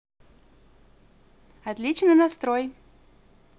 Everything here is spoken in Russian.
отличный настрой